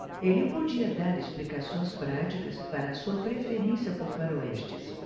ele podia dar explicações práticas para sua preferência por faroestes